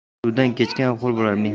suvdan kechgan ho'l bo'lar